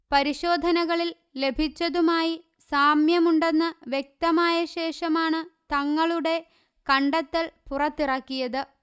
പരിശോധനകളിൽ ലഭിച്ചതുമായി സാമ്യമുണ്ടെന്നു വ്യക്തമായ ശേഷമാണ് തങ്ങളുടെ കണ്ടെത്തൽ പുറത്തിറക്കിയത്